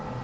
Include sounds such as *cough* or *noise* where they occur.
*hesitation* *hesitation*